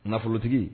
Nafolotigi